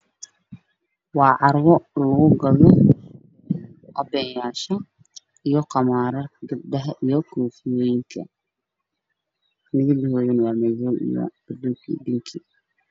Waxaa ii muuqda iska faallo ay saaran yihiin wejiyo la iibinayo oo caddaan ah iyo xijaabo